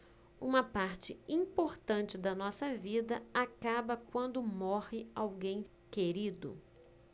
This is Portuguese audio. uma parte importante da nossa vida acaba quando morre alguém querido